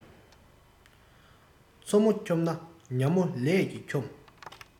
མཚོ མོ འཁྱོམས ན ཉ མོ ལས ཀྱིས འཁྱོམ